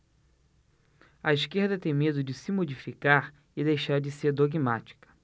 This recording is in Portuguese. a esquerda tem medo de se modificar e deixar de ser dogmática